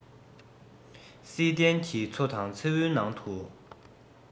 བསིལ ལྡན གྱི མཚོ དང མཚེའུ ནང དུ